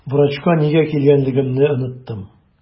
Врачка нигә килгәнлегемне оныттым.